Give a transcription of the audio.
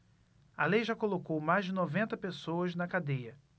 a lei já colocou mais de noventa pessoas na cadeia